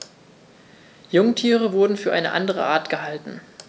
Jungtiere wurden für eine andere Art gehalten.